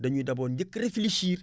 dañuy d' abord njëkk a réfléchir